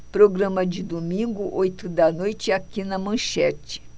programa de domingo oito da noite aqui na manchete